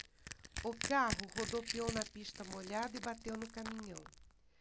o carro rodopiou na pista molhada e bateu no caminhão